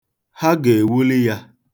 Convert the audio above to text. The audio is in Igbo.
Ha ga-ewuli ya.